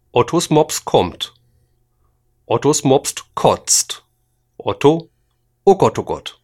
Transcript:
ottos mops kommt ottos mops kotzt otto: ogottogott